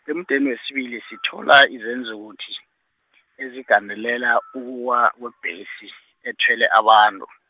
emudeni wesibili sithola izenzukuthi, ezigandelela , ukuwa kwebhesi, ethwele abantu.